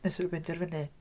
Wnaethon nhw benderfynu...